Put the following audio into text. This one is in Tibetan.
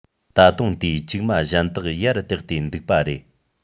ད དུང དེས ལྕུག མ གཞན དག ཡར བཏེག སྟེ འདུག པ རེད